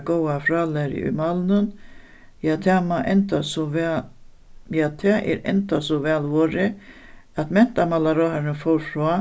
góða frálæru í málinum ja tað má enntá so ja tað er enntá so væl vorðið at mentamálaráðharrin fór frá